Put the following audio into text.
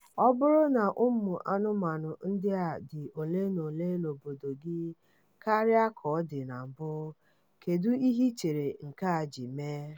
"Ọ bụrụ na ụmụanụmanụ ndị a dị ole na ole n'obodo gị karịa ka ọ dị na mbụ, kedu ihe i chere nke a ji mee?